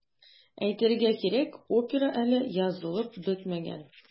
Әйтергә кирәк, опера әле язылып бетмәгән.